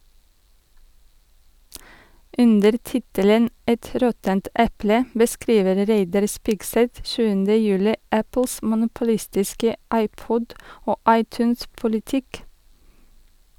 Under tittelen «Et råttent eple » beskriver Reidar Spigseth 7. juli Apples monopolistiske iPod- og iTunes-politikk.